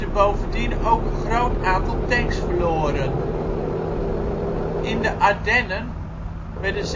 bovendien ook een groot aantal tanks verloren. In de Ardennen werden